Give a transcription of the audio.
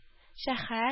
Шәһәр